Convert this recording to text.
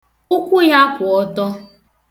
Ụkwụ ya kwụ ọtọ.